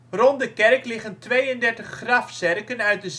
Rond de kerk liggen 32 grafzerken uit de